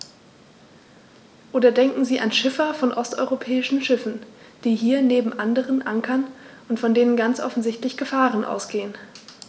Oder denken Sie an Schiffer von osteuropäischen Schiffen, die hier neben anderen ankern und von denen ganz offensichtlich Gefahren ausgehen.